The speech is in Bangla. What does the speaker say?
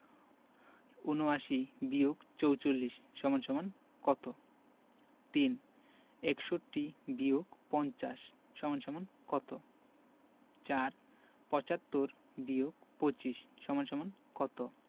৭৯-৪৪ = কত ৩ ৬১-৫০ = কত ৪ ৭৫-২৫ = কত